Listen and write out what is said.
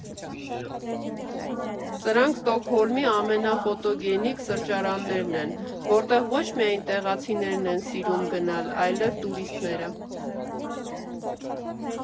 Սրանք Ստոկհոլմի «ամենաֆոտոգենիկ» սրճարաններն են, որտեղ ոչ միայն տեղացիներն են սիրում գնալ, այլև տուրիստները։